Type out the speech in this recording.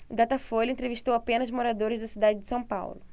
o datafolha entrevistou apenas moradores da cidade de são paulo